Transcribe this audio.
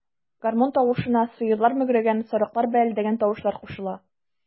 Гармун тавышына сыерлар мөгрәгән, сарыклар бәэлдәгән тавышлар кушыла.